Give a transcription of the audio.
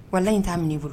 Wa in' mini bolo